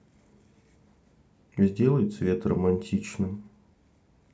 сделай цвет романтичным